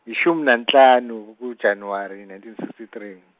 ishumi nahlanu ku- January nineteen sixty three.